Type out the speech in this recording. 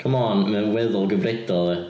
Come on mae o'n weddol gyfredol ia.